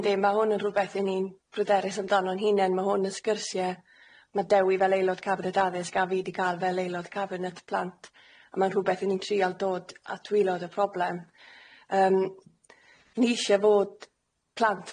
Yndi ma' hwn yn rhwbeth i ni'n pryderys amdano'n hunen ma' hwn yn sgyrsie ma' Dewi fel aelod cabinet addysg a fi di ca'l fel aelod cabinet plant a ma'n rhwbeth o'n i'n trial dod at wilod y problem yym ni isie fod plant